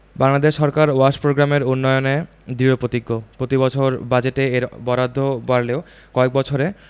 বাংলাদেশ সরকার ওয়াশ প্রোগ্রামের উন্নয়নে দৃঢ়প্রতিজ্ঞ প্রতিবছর বাজেটে এর বরাদ্দ বাড়লেও কয়েক বছরে